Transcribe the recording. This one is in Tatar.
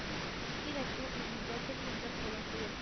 Кинәт ул иңендә кемнеңдер кулын тоеп